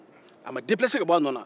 a ma bo a nɔ na